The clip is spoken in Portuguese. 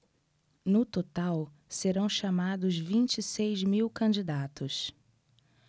no total serão chamados vinte e seis mil candidatos